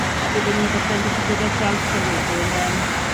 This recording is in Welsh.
a byddwn ni falle'n gallu dod ar draws e wedyn yym